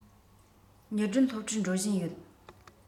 ཉི སྒྲོན སློབ གྲྭར འགྲོ བཞིན ཡོད